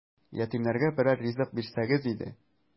Ятимнәргә берәр ризык бирсәгез иде! ..